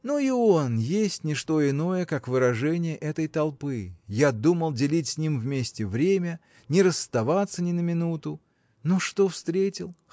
Но и он есть не что иное, как выражение этой толпы. Я думал делить с ним вместе время не расставаться ни на минуту но что встретил?